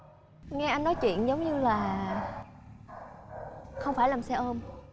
nghe anh nói chuyện giống như là không phải làm xe ôm